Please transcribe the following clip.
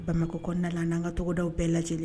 Bamakɔ kɔnɔna na an'an ka tɔgɔdaw bɛɛ lajɛlen